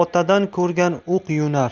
otadan ko'rgan o'q yo'nar